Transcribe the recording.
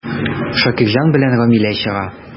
Шакирҗан белән Рамилә чыга.